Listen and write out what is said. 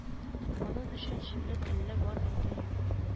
Аның өчен җимлек әллә бар әллә юк